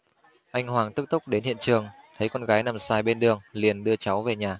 anh hoàng tức tốc đến hiện trường thấy con gái nằm xoài bên đường liền đưa cháu về nhà